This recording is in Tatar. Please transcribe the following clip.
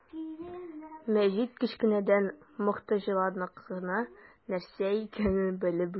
Мәҗит кечкенәдән мохтаҗлыкның нәрсә икәнен белеп үсә.